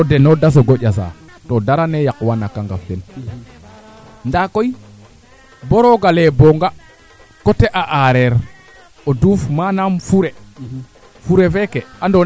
ndiiki o jamel oxa ando naye ka leya na refeer na naaga a soɓa koye yaago nan a nda koy ka wetandorobfo ne nan toona den mbong reeru den mbong reero